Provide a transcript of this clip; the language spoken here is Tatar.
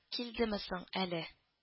Килдеме соң әле